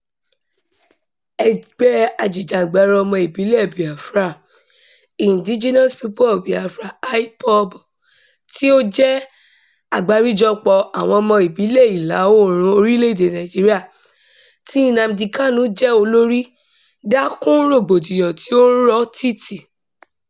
Ẹgbẹ́ ajìjàngbara ọmọ ìbílẹ̀ Biafra Indigenous People of Biafra (IPOB), tí ó jẹ́ àgbáríjọpọ̀ àwọn ọmọ ìbílẹ̀ ìlà-oòrùn orílẹ̀-èdèe Nàìjíríà tí Nnamdi Kanu jẹ́ olórí, dá kún rògbòdìyàn tí ó ń rọ́ tìtì.